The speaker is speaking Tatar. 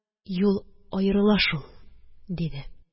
Юл аерыла шул! – диде.